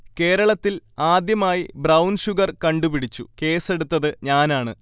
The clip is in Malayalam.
കേരളത്തിൽ ആദ്യമായി 'ബ്രൌൺ ഷുഗർ' കണ്ടുപിടിച്ചു, കേസ്സെടുത്തത് ഞാനാണ്